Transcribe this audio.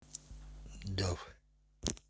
dove